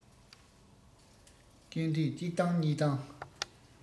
སྐད འཕྲིན གཅིག བཏང གཉིས བཏང